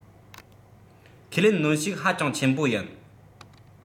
ཁས ལེན གནོན ཤུགས ཧ ཅང ཆེན པོ ཡིན